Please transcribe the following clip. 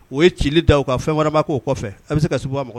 O ye ci da o kan fɛn wɛrɛ ma k'o kɔfɛ. A bɛ se ka suguba mɔgɔ